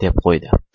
deb qo'ydi